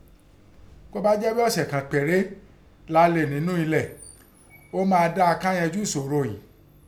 Kọ́ bá jẹ́ ghíi ọ̀sẹ̀ kàn péré la lò ńnú ẹlẹ̀, ọ́ máa dáa ká yanjú ìsòro ìín.